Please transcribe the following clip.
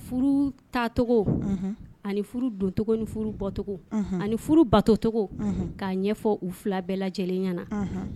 Furu tacogo ani furu dont ni furu bɔt ani furu batocogo'a ɲɛfɔ u fila bɛɛ lajɛlenya na